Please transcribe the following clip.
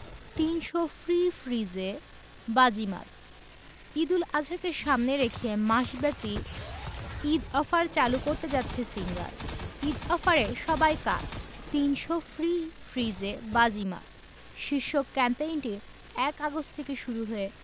৩০০ free ফ্রিজে বাজিমাত ঈদুল আজহাকে সামনে রেখে মাসব্যাপী ঈদ অফার চালু করতে যাচ্ছে সিঙ্গার ঈদ অফারে সবাই কাত ৩০০ ফ্রি ফ্রিজে বাজিমাত শীর্ষক ক্যাম্পেইনটি ১ আগস্ট থেকে শুরু হয়ে